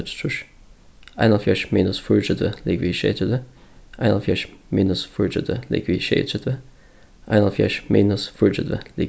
níggjuogtrýss einoghálvfjerðs minus fýraogtretivu ligvið sjeyogtretivu einoghálvfjerðs minus fýraogtretivu ligvið sjeyogtretivu einoghálvfjerðs minus fýraogtretivu